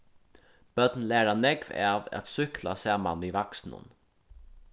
børn læra nógv av at súkkla saman við vaksnum